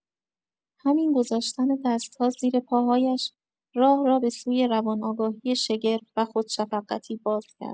همین گذاشتن دست‌ها زیر پاهایش راه را به سوی روان‌آگاهی شگرف و خودشفقتی باز کرد.